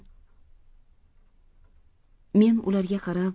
men ularga qarab